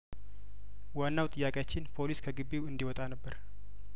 ዋናው ጥያቄያችን ፖሊስ ከግቢው እንዲ ወጣ ነበር